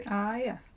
A ia.